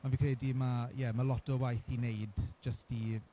Ond fi'n credu ma' ie ma' lot o waith i wneud jyst i...